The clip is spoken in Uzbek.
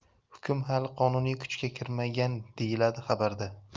hukm hali qonuniy kuchga kirmagan deyiladi xabarda